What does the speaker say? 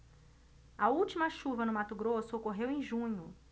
a última chuva no mato grosso ocorreu em junho